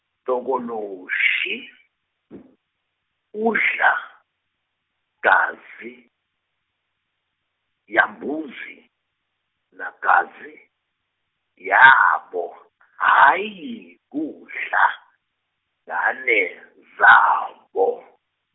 tokoloshi , udla, gazi, yambuzi, nagazi, yabo , hhayi, kudla, ngane, zabo-.